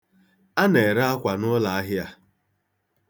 A na-ere akwa n'ụlaahịa a.